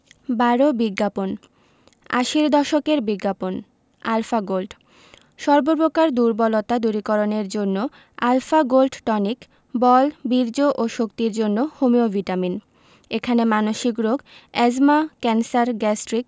১২ বিজ্ঞাপন আশির দশকের বিজ্ঞাপন আলফা গোল্ড সর্ব প্রকার দুর্বলতা দূরীকরণের জন্য আল্ফা গোল্ড টনিক –বল বীর্য ও শক্তির জন্য হোমিও ভিটামিন এখানে মানসিক রোগ এ্যজমা ক্যান্সার গ্যাস্ট্রিক